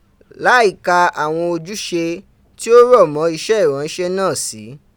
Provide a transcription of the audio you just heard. lai ka awon ojuse ti o ro mo ise iranse naa si.